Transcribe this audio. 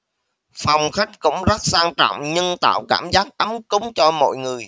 phòng khách cũng rất sang trọng nhưng tạo cảm giác ấm cúng cho mọi người